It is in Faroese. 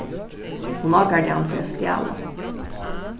hon ákærdi hann fyri at stjala